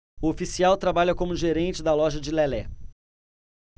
o oficial trabalha como gerente da loja de lelé